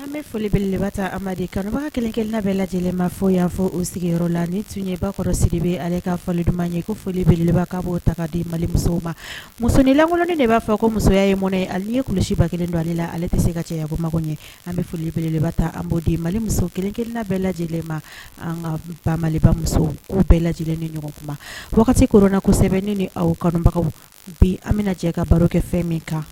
An bɛ folibelebaga ta kanuba kelenkelenla bɛ lajɛlen ma fɔ y'a fɔ u sigiyɔrɔ la ni tunɲɛbakɔrɔ sigi bɛ ale ka fɔ duman ma ɲɛ ko foli bele ka bɔo ta di mali musow ma musoninlankolonnen de b'a fɔ ko musoya ye mɔn ye ale ye kulusiba kelen don ale la ale tɛ se ka cɛko mago ɲɛ an bɛ foli bele ta an bɔ di mali muso kelen-kelen bɛɛ lajɛ lajɛlen ma an kaba muso u bɛɛ lajɛlen ni ɲɔgɔn kuma kɔnɔnana kosɛbɛ ne ni aw kanubagaw bi an bɛna jɛ ka baro kɛ fɛn min kan